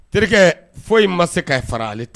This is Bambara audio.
Terikɛ foyi in ma se k kaa fara ale ten